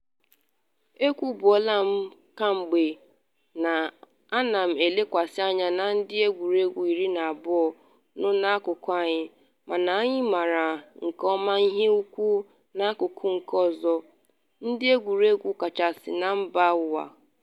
Ekwubuola m kemgbe na, A na m elekwasa anya na ndị egwuregwu 12 nọ n’akụkụ anyị, mana anyị maara nke ọma ihe kwụ n’akụkụ nke ọzọ - ndị egwuregwu kachasị na mba ụwa.”